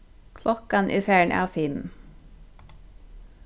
klokkan er farin av fimm